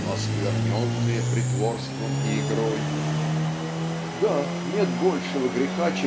но оскверненные притворством и игрой". Да нет большего греха